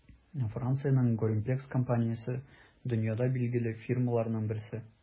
Франциянең Gorimpex компаниясе - дөньяда билгеле фирмаларның берсе.